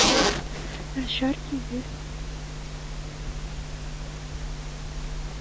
Начар түгел.